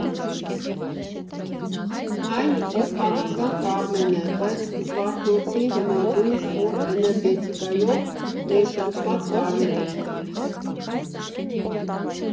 Այն իսպանական Կարմեն է, բայց Զվարթնոցի հնագույն, խոր էներգետիկայով ներշնչված Կարմեն։